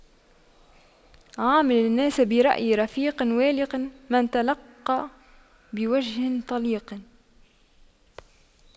عامل الناس برأي رفيق والق من تلقى بوجه طليق